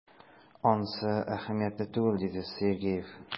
Ансы әһәмиятле түгел,— диде Сергеев.